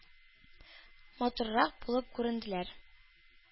Матуррак булып күренделәр.